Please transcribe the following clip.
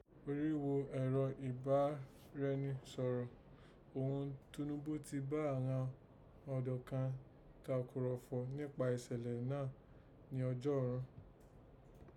Orígho ẹ̀rọ ìbáraeni sọ̀rọ̀ òghun Tinubu tí bá àghan ọ̀dọ́ kan takùrọ̀fọ̀ nípa ìsẹ̀lẹ̀ náà ni ọjọ́rú